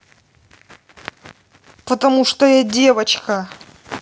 потому что я девочка